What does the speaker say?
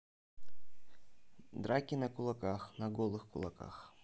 драки на кулаках на голых кулаках